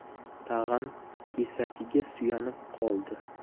tag'in kesakiga suyanib qoldi